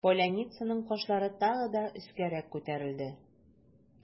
Поляницаның кашлары тагы да өскәрәк күтәрелде.